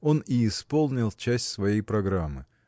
Он и исполнил часть своей программы.